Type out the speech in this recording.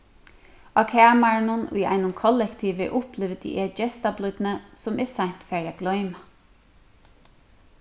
á kamarinum í einum kollektivi upplivdi eg gestablídni sum eg seint fari at gloyma